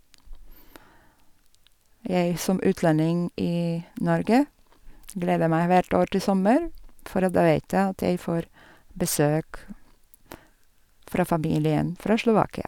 Jeg som utlending i Norge gleder meg hvert år til sommer, for at da vet jeg at jeg får besøk fra familien fra Slovakia.